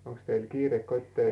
onkos teillä kiire kotitöihin